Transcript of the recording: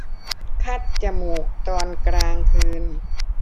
คัดจมูกตอนกลางคืน